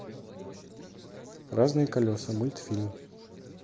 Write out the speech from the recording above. разные колеса мультфильм